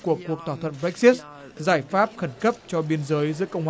của cuộc thỏa thuận bờ rếch xiết giải pháp khẩn cấp cho biên giới giữa cộng